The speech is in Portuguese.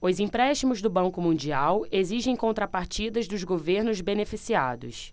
os empréstimos do banco mundial exigem contrapartidas dos governos beneficiados